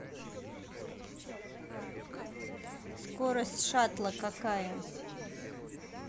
скорость шатла какая